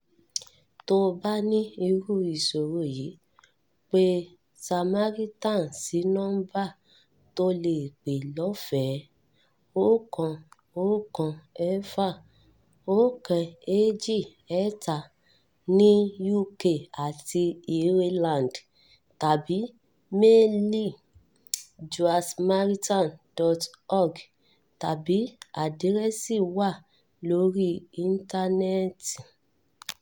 To bá ní irú ìṣoro yìí pe Samaritans sí nọ́ḿbà to lè pè lọ́fẹ̀ẹẹ 116 123 (ní UK àti Ireland), tàbí méèlì jo@samaritans.org tàbí àdírẹ̀sì wa lóri íntánẹ́ẹ́tì.